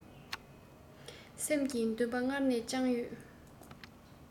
སེམས ཀྱི འདུན པ སྔར ནས བཅངས ཡོད